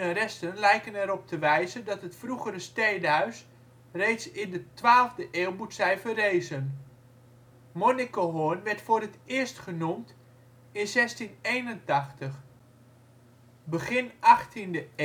resten lijken erop te wijzen dat het vroegere steenhuis reeds in de 12e eeuw moet zijn verrezen. Monnikehorn wordt voor het eerst genoemd in 1681. Begin 18e eeuw